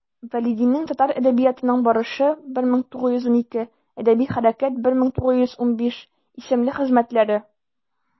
Вәлидинең «Татар әдәбиятының барышы» (1912), «Әдәби хәрәкәт» (1915) исемле хезмәтләре.